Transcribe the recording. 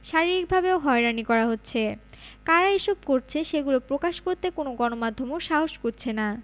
শারীরিকভাবেও হয়রানি করা হচ্ছে কারা এসব করছে সেগুলো প্রকাশ করতে কোনো সংবাদ মাধ্যমও সাহস করছে না